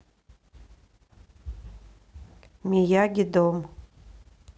мияги дом